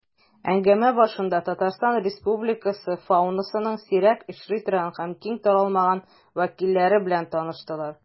Әңгәмә барышында Татарстан Республикасы фаунасының сирәк очрый торган һәм киң таралмаган вәкилләре белән таныштылар.